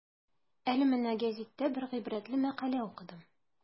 Әле менә гәзиттә бер гыйбрәтле мәкалә укыдым.